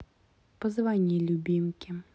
позвони любимке